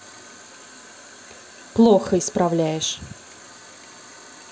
плохо исправляешь